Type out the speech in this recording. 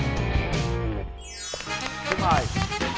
xin mời